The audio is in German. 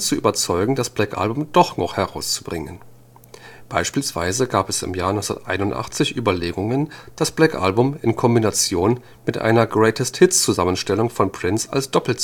überzeugen, das Black Album doch noch herauszubringen. Beispielsweise gab es im Jahr 1991 Überlegungen, das Black Album in Kombination mit einer Greatest-Hits-Zusammenstellung von Prince als Doppel-CD